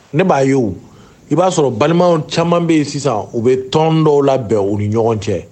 Ne b'a ye i b'a sɔrɔ balimaw caman bɛ yen sisan u bɛ tɔn dɔw labɛn bɛn u ni ɲɔgɔn cɛ